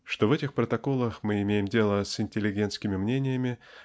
Что в этих протоколах мы имеем дело с интеллигентскими мнениями